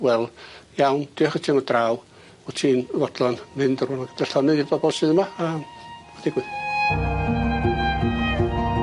oedd wel iawn diolch o ti am dod draw wt ti'n fodlon mynd ar llonydd i'r bobol sydd yma a ma'n digwydd.